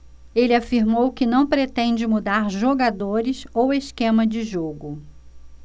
ele afirmou que não pretende mudar jogadores ou esquema de jogo